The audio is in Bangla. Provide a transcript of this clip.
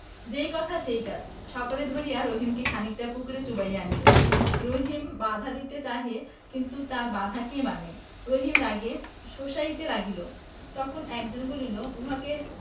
যেই কথা সেই কাজ সকলে ধরিয়া রহিমকে খনিকটা পুকুরে চুবাইয়া আনিল রহিম বাধা দিতে চাহে কিন্তু কার বাধা কে মানে রহিম রাগে শোষাইতে লাগিল তখন একজন বলিল উহাকে